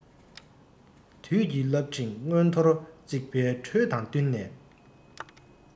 དུས ཀྱི རླབས ཕྲེང མངོན མཐོར བརྩེགས པའི འགྲོས དང བསྟུན ནས